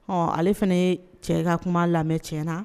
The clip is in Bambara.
Ɔ ale fɛnɛ yee cɛ ka kuma lamɛ tiɲɛna